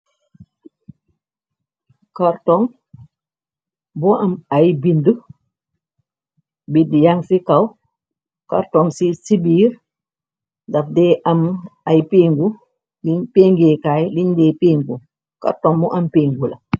Cartong bu am ay bindi bindi yang ci kaw carton ci ci biir daf dée am ay péngéekaay liñ dé pingu carton bu am pingu la.